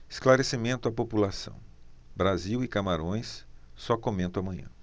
esclarecimento à população brasil e camarões só comento amanhã